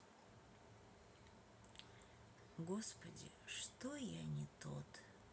господи что я не тот